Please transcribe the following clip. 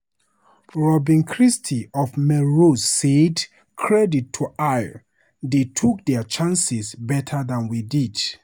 Robyn Christie of Melrose said: "Credit to Ayr, they took their chances better than we did."